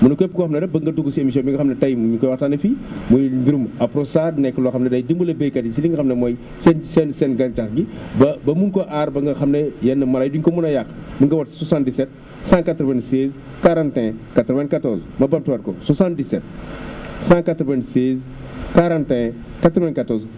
mu ne képp koo xam ne rek bëgg nga dugg si émission bi nga xam ne tey ñu ngi koy waxtaane fii muy mbirum Apronstar nekk loo xam ne day dimbali baykat yi si li nga xam ne mooy seen seen seen gàncax gi ba ba mun koo aar loo xam ne yenn mala yi duñ ko mun a yàq mun nga woote si 77 196 41 94 ma bamtuwaat ko 77 196 41 94